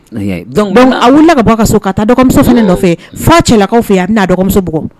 A wili ka bɔ kamuso nɔfɛ fa cɛlalakaw fɛ a bɛna dɔgɔmusoug